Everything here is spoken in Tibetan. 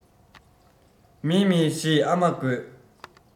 མཱེ མཱེ ཞེས ཨ མ དགོད